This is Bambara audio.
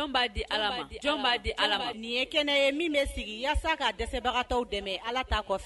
' dia di ala nin ye kɛnɛ ye min bɛ sigi yaasa ka' dɛsɛbaga dɛmɛ ala t' kɔfɛ